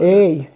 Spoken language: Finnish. ei